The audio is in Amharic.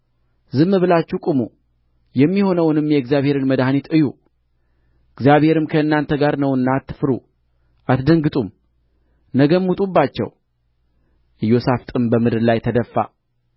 ዝም ብላችሁ ቁሙ የሚሆነውንም የእግዚአብሔርን መድኃኒት እዩ እግዚአብሔርም ከእናንተ ጋር ነውና አትፍሩ አትደንግጡም ነገም ውጡባቸው ኢዮሣፍጥም በምድር ላይ ተደፋ